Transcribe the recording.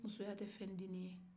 musoya tɛ fɛndennin ye